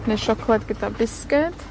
Ne' siocled gyda bisged.